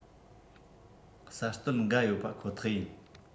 གསར གཏོད འགའ ཡོད པ ཁོ ཐག ཡིན